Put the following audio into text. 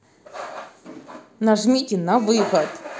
нажмите на выход